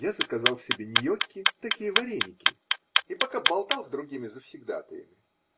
я заказал себе ньокки (такие вареники) и пока болтал с другими завсегдатаями.